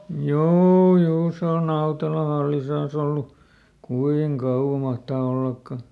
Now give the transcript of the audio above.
juu juu se on Nautelan hallinnassa ollut kuinka kauan mahtaa ollakaan